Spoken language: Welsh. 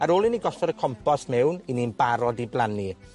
Ar ôl i ni gosod y compost mewn, 'yn ni'n barod i blannu.